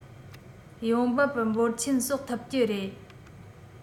ཡོང འབབ འབོར ཆེན གསོག ཐུབ ཀྱི རེད